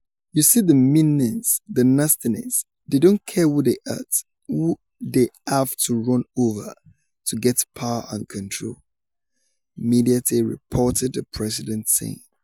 You see the meanness, the nastiness, they don't care who they hurt, who they have to run over to get power and control," Mediaite reported the president saying.